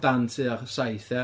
*Dan tua saith ia?